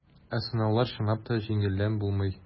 Ә сынаулар, чынлап та, җиңелдән булмый.